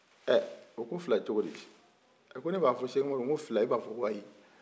a ko fila cogo a ko ne b'a fɔ sɛkumaru fila e b'a fɔ ayi